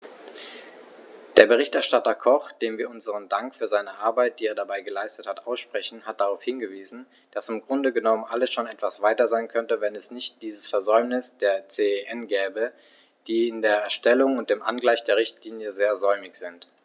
Der Berichterstatter Koch, dem wir unseren Dank für seine Arbeit, die er dabei geleistet hat, aussprechen, hat darauf hingewiesen, dass im Grunde genommen alles schon etwas weiter sein könnte, wenn es nicht dieses Versäumnis der CEN gäbe, die in der Erstellung und dem Angleichen der Richtlinie sehr säumig sind.